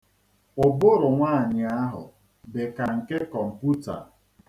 Ụbụrụ nwaanyị ahụ dị ka nke kọmpụta.